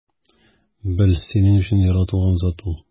Бел: синең өчен яратылган зат ул!